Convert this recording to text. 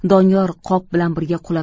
doniyor qop bilan birga qulab